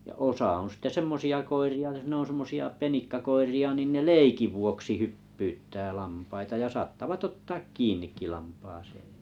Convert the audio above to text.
ja osa on sitten semmoisia koiria jos ne on semmoisia penikkakoiria niin ne leikin vuoksi hyppyyttää lampaita ja saattavat ottaa kiinnikin lampaaseen